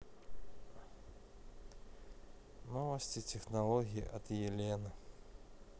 новости технологий от елены